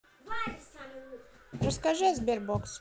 расскажи о sberbox